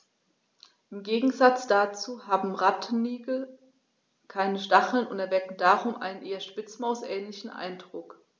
Im Gegensatz dazu haben Rattenigel keine Stacheln und erwecken darum einen eher Spitzmaus-ähnlichen Eindruck.